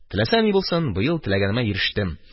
Теләсә ни булсын, быел теләгемә ирештем